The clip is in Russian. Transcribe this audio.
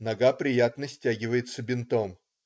Нога приятно стягивается бинтом.